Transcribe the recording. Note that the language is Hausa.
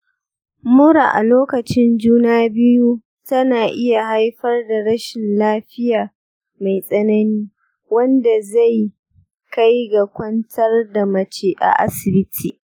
mura a lokacin juna biyu tana iya haifar da rashin lafiya mai tsanani wanda zai kai ga kwantar da mace a asibiti.